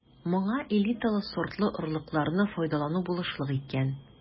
Моңа элиталы сортлы орлыкларны файдалану булышлык иткән.